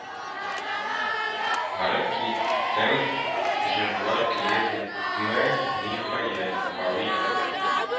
Арып киттеме, җырлар көе беттеме, ниһаять, Кави абый